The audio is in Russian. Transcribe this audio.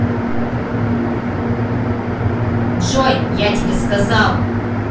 джой я тебе сказал